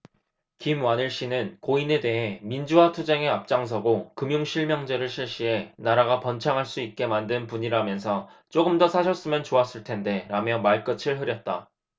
김완일씨는 고인에 대해 민주화 투쟁에 앞장서고 금융실명제를 실시해 나라가 번창할 수 있게 만든 분이라면서 조금 더 사셨으면 좋았을 텐데 라며 말끝을 흐렸다